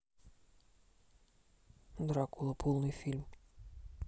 дракула полный фильм